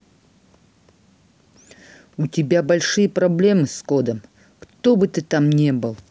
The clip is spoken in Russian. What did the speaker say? у тебя большие проблемы с кодом кто бы ты там не был